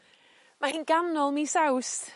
Mae hi'n ganol mis Awst